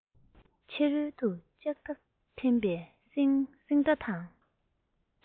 ཕྱི རོལ དུ ལྕགས ཐག འཐེན པའི སིང སྒྲ དང